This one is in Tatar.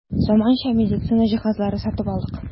Заманча медицина җиһазлары сатып алдык.